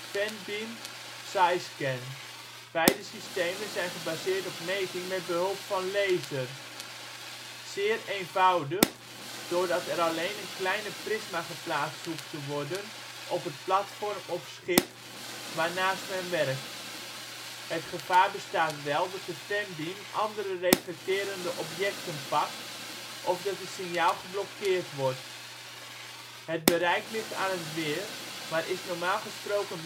/ CyScan. Beide systemen zijn gebaseerd op meting met behulp van laser. Zeer eenvoudig, doordat er alleen een kleine prisma geplaatst hoeft te worden op het platform of schip waarnaast men werkt. Het gevaar bestaat wel dat de fanbeam andere reflecterende objecten pakt of dat het signaal geblokkeerd wordt. Het bereik ligt aan het weer, maar is normaal gesproken